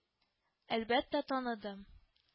Әлбәттә, таныдым